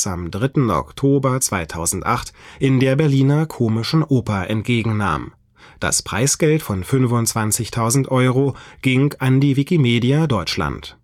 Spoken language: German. am 3. Oktober 2008 in der Berliner Komischen Oper entgegen nahm. Das Preisgeld von 25.000 Euro ging an die Wikimedia Deutschland